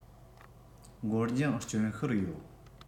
འགོར འགྱངས སྐྱོན ཤོར ཡོད